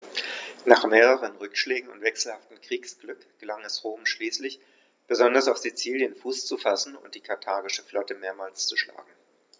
Nach mehreren Rückschlägen und wechselhaftem Kriegsglück gelang es Rom schließlich, besonders auf Sizilien Fuß zu fassen und die karthagische Flotte mehrmals zu schlagen.